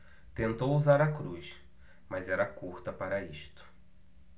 tentou usar a cruz mas era curta para isto